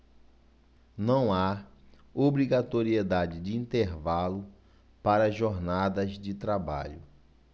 não há obrigatoriedade de intervalo para jornadas de trabalho